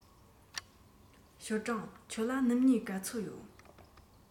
ཞའོ ཀྲང ཁྱོད ལ སྣུམ སྨྱུག ག ཚོད ཡོད